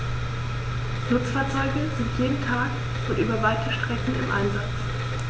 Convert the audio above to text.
Nutzfahrzeuge sind jeden Tag und über weite Strecken im Einsatz.